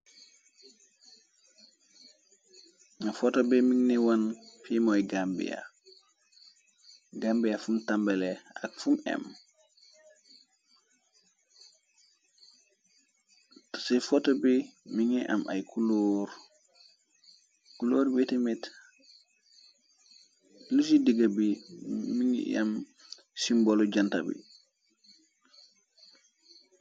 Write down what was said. N foto bi migni wan fimooy gambia, gambia fum tambale ak fum m, te ci foto bi mi ngi am ay krkuloor, witi mit lu ci digga bi mi ngi am, si mbolu janta bi.